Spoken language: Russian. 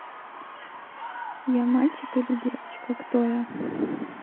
я мальчик или девочка кто я